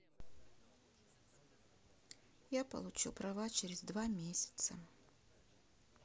я получу права через два месяца